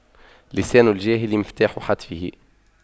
لسان الجاهل مفتاح حتفه